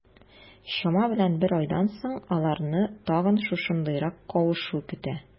Чама белән бер айдан соң, аларны тагын шушындыйрак кавышу көтә.